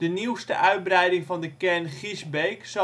nieuwste uitbreiding van de kern Giesbeek